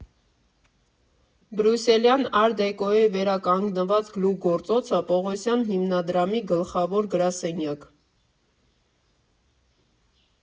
Բրյուսելյան ար֊դեկոյի վերականգնված գլուխգործոցը՝ Պողոսյան հիմնադրամի գլխավոր գրասենյակ։